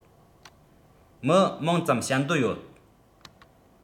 མི མང ཙམ བྱ འདོད ཡོད